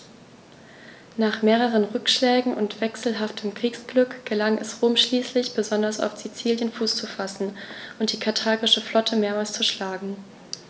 Nach mehreren Rückschlägen und wechselhaftem Kriegsglück gelang es Rom schließlich, besonders auf Sizilien Fuß zu fassen und die karthagische Flotte mehrmals zu schlagen.